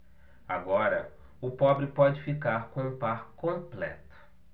agora o pobre pode ficar com o par completo